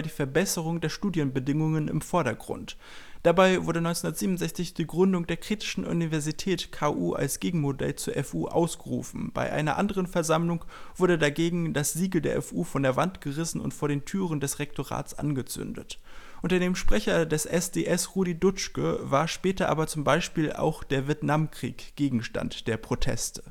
Verbesserung der Studienbedingungen im Vordergrund. Dabei wurde 1967 die Gründung der Kritischen Universität (KU) als Gegenmodell zur FU ausgerufen. Bei einer anderen Versammlung wurde dagegen das Siegel der FU von der Wand gerissen und vor den Türen des Rektorats angezündet. Unter dem Sprecher des SDS Rudi Dutschke war später aber zum Beispiel auch der Vietnamkrieg Gegenstand der Proteste